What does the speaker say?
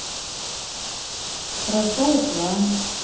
роса и пламя